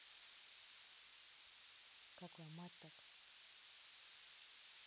как ломать так